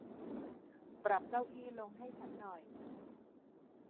ปรับเก้าอี้ลงให้ฉันหน่อย